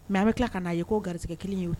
Mɛ an bɛ tila ka n'a ye k koo garirijɛ kelen ye